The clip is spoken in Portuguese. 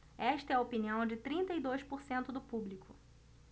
esta é a opinião de trinta e dois por cento do público